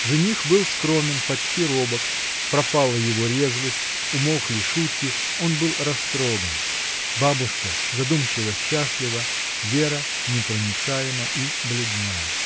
Жених был скромен, почти робок: пропала его резвость, умолкли шутки, он был растроган. Бабушка задумчиво-счастлива. Вера непроницаема и бледна.